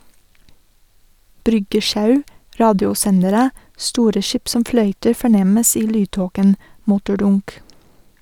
Bryggesjau, radiosendere, store skip som fløyter fornemmes i lydtåken, motordunk.